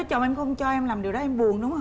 chồng không cho em làm điều đó em buồn đúng hông